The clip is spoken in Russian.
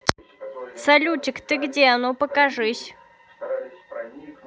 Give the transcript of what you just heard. салютик ты где оно покажись